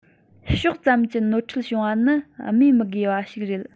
ཕྱོགས ཙམ གྱི ནོར འཁྲུལ བྱུང བ ནི སྨོས མི དགོས པ ཞིག རེད